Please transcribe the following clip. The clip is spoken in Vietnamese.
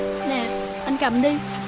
nè ăn cầm đi